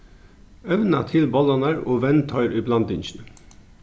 evna til bollarnar og vend teir í blandingini